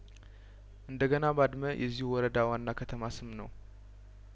እንደ ገና ባድመ የዚሁ ወረዳ ዋና ከተማ ስም ነው